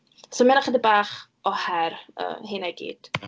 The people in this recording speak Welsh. So ma' hynna'n chydig bach o her, yy, hynna i gyd.